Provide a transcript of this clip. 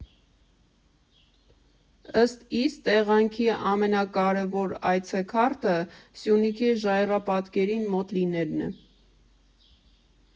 Ըստ իս, այս տեղանքի ամենակարևոր այցեքարտը Սյունիքի ժայռապատկերներին մոտ լինելն է։